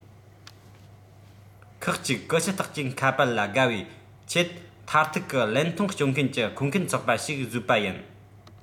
ཁག གཅིག ཀུ ཤུ རྟགས ཅན ཁ པར ལ དགའ བའི ཆེད མཐར ཐུག གི ལན ཐུང སྤྱོད མཁན གྱི མཁོ མཁན ཚོགས པ ཞིག བཟོས པ ཡིན